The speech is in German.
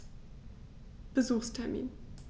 Besuchstermin